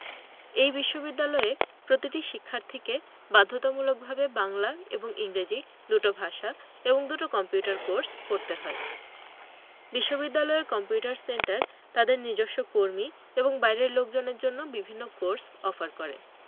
এই বিশ্ববিদ্যালয়ে প্রতিটি শিক্ষার্থীকে বাধ্যতামূলকভাবে বাংলা এবং ইংরেজি দুটো ভাষা এবং দুটো কম্পিউটার কোর্স পড়তে হয় বিশ্ববিদ্যালয়ের কম্পিউটার সেন্টার তাদের নিজস্ব কর্মী এবং বাইরের লোকজনের জন্য বিভিন্ন কোর্স অফার করে